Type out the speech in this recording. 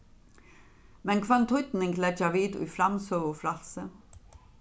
men hvønn týdning leggja vit í framsøgufrælsið